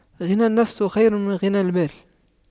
غنى النفس خير من غنى المال